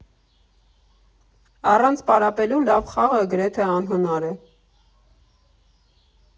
Առանց պարապելու լավ խաղը գրեթե անհնար է.